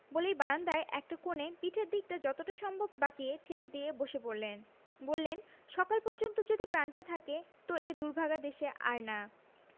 বলেই বারান্দায় একটা কোণে পিঠের দিকটা যতটা সম্ভব বাঁচিয়ে ঠেস দিয়ে বসে পড়লেন বললেন সকাল পর্যন্ত যদি প্রাণটা থাকে ত এ দুর্ভাগা দেশে আর না